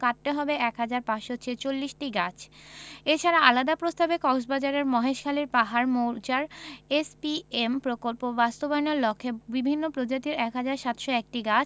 কাটতে হবে এক হাজার ৫৪৬টি গাছ এছাড়া আলাদা প্রস্তাবে কক্সবাজারের মহেশখালীর পাহাড় মৌজার এসপিএম প্রকল্প বাস্তবায়নের লক্ষ্যে বিভিন্ন প্রজাতির ১ হাজার ৭০১টি গাছ